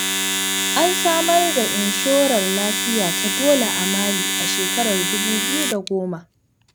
An samar da inshorar lafiya ta dole a Mali a 2010.